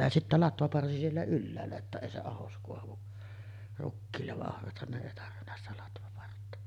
ja sitten latvaparsi siellä ylhäällä että ei se ahdos kaadu rukiille vaan ohrathan ne ei tarvinnut sitä latvapartta